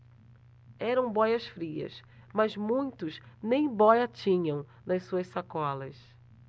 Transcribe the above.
eram bóias-frias mas muitos nem bóia tinham nas suas sacolas